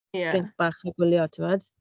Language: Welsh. Ie... cip bach a gwylio, ti'n gwybod.